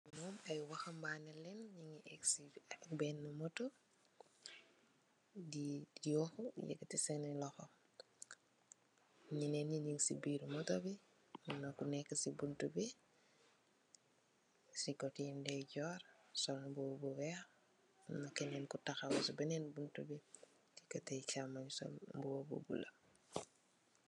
Ni ay wahabaneh len nyu gi yek si bena moto di yuho eketi sen loxo nyenen yi nyun si birr moto bi amna ku neka si buntu bi kote ndeyejorr sol mbubu bu weex amna kenen ko tahaw si benen buntu bi si kote chamun bi sol mbubu bu bulo.